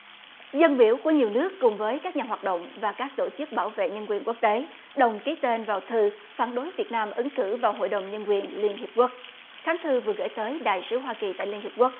dân biểu của nhiều nước cùng với các nhà hoạt động và các tổ chức bảo vệ nhân quyền quốc tế đồng ký tên vào thư phản đối việt nam ứng cử vào hội đồng nhân quyền liên hiệp quốc kháng thư vừa gửi tới đại sứ hoa kỳ tại liên hiệp quốc